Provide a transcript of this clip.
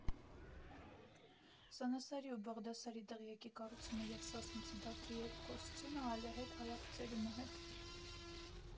Սանասարի ու Բաղդասարի դղյակի կառուցումը և Սասունցի Դավթի երկխոսությունը ալեհեր արաբ ծերունու հետ։